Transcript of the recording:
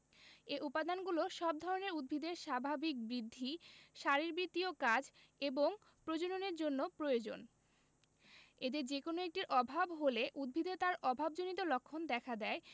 এই উপাদানগুলো সব ধরনের উদ্ভিদের স্বাভাবিক বৃদ্ধি শারীরবৃত্তীয় কাজ এবং প্রজননের জন্য প্রয়োজন এদের যেকোনো একটির অভাব হলে উদ্ভিদে তার অভাবজনিত লক্ষণ দেখা দেয়